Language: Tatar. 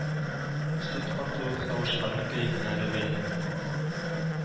Сөт арту савучыларның кәефенә дә бәйле